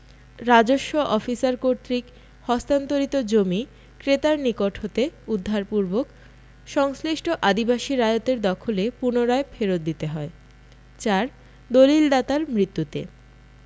রাজস্ব অফিসার কর্তৃক হস্তান্তরিত জমি ক্রেতার নিকট হতে উদ্ধারপূর্বক সংশ্লিষ্ট আদিবাসী রায়তের দখলে পুনরায় ফেরৎ দিতে হয় ৪ দলিল দাতার মৃত্যুতে